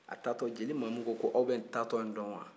a taatɔ jeli mamu ko a bɛ nin taatɔ in dɔn